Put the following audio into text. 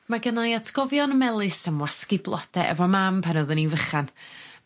Mae gynnai atgofion melys am wasgu blode efo mam pan oedden i'n fychan.